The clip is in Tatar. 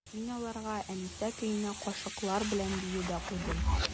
Мин аларга «Әнисә» көенә кашыклар белән бию дә куйдым.